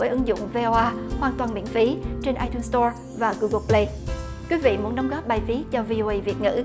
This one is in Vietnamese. với ứng dụng vê o a hoàn toàn miễn phí trên ai tun to và gu gồ phờ lây quý vị muốn đóng góp bài viết cho vi ô ây việt ngữ